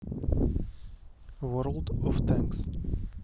ворлд оф тенкс